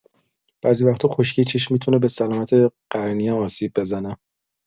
بعضی وقتا خشکی چشم می‌تونه به سلامت قرنیه آسیب بزنه.